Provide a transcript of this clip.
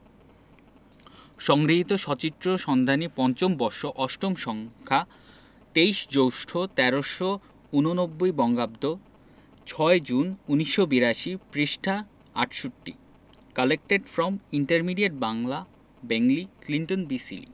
সংগৃহীত সচিত্র সন্ধানী৫ম বর্ষ ৮ম সংখ্যা ২৩ জ্যৈষ্ঠ ১৩৮৯ বঙ্গাব্দ/৬ জুন৮২ পৃষ্ঠাঃ ৬৮ collected from intermediate Bangla Bengali Clinton B Seely